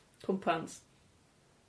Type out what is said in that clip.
Pwmpans.